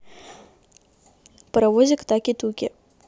паровозик таки туки